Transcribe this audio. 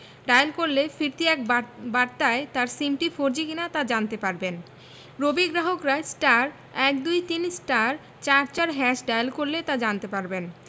dial করলে ফিরতি এক বার্তায় তার সিমটি ফোরজি কিনা তা জানতে পারবেন রবির গ্রাহকরা *১২৩*৪৪# ডায়াল করে তা জানতে পারবেন